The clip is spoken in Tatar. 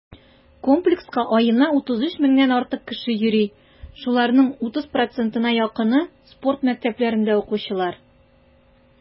Комплекска аена 33 меңнән артык кеше йөри, шуларның 30 %-на якыны - спорт мәктәпләрендә укучылар.